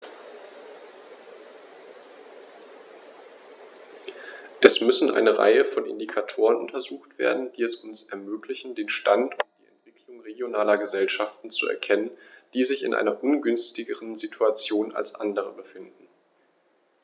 Es müssen eine Reihe von Indikatoren untersucht werden, die es uns ermöglichen, den Stand und die Entwicklung regionaler Gesellschaften zu erkennen, die sich in einer ungünstigeren Situation als andere befinden.